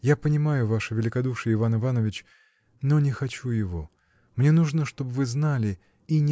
Я понимаю ваше великодушие, Иван Иванович, но не хочу его. Мне нужно, чтоб вы знали и.